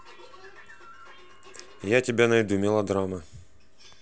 я тебя найду мелодрама